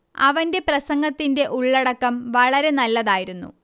അവന്റെ പ്രസംഗത്തിന്റെ ഉള്ളടക്കം വളരെ നല്ലതായിരുന്നു